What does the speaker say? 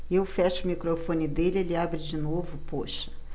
eu fecho o microfone dele ele abre de novo poxa